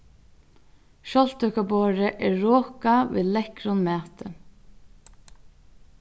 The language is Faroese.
sjálvtøkuborðið er rokað við lekkrum mati